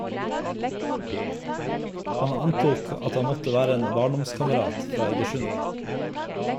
Han antok at han måtte være en barndomskamerat, fra Egersund.